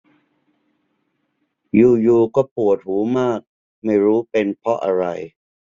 อยู่อยู่ก็ปวดหูมากไม่รู้เป็นเพราะอะไร